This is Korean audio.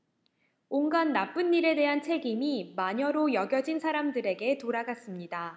온갖 나쁜 일에 대한 책임이 마녀로 여겨진 사람들에게 돌아갔습니다